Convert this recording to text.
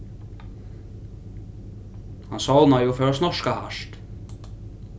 hann sovnaði og fór at snorka hart